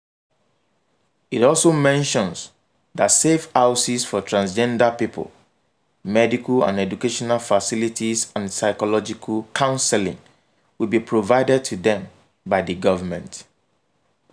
It also mentions that safe houses for transgender people, medical and educational facilities and psychological counseling will be provided to them by the government.